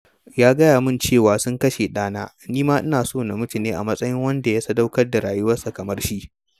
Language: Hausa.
Ya gaya min cewa: ''Sun kashe ɗana, ni ma ina so na mutu a matsayin wanda ya sadaukar da rayuwarsa kamar shi.